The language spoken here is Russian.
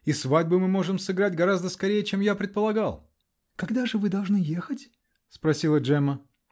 И свадьбу мы можем сыграть гораздо скорее, чем я предполагал! -- Когда вы должны ехать? -- спросила Джемма.